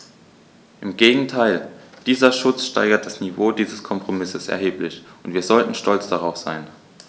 Im Gegenteil: Dieser Schutz steigert das Niveau dieses Kompromisses erheblich, und wir sollten stolz darauf sein.